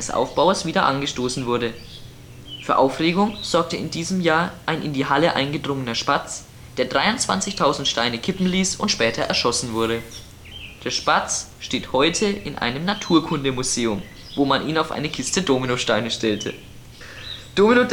Aufbauers wieder angestoßen wurde.) Für Aufregung sorgte in diesem Jahr ein in die Halle eingedrungener Spatz, der 23.000 Steine kippen ließ und später erschossen wurde. Der Spatz steht heute in einem Naturkundemuseum, wo man ihn auf eine Kiste Dominosteine stellte. Domino